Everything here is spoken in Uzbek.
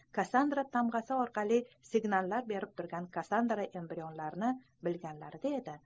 kassandra tamg'asi orqali signallar berib turgan kassandra embrionlarni bilganlarida edi